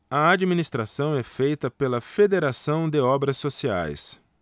a administração é feita pela fos federação de obras sociais